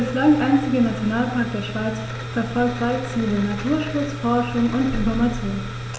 Der bislang einzige Nationalpark der Schweiz verfolgt drei Ziele: Naturschutz, Forschung und Information.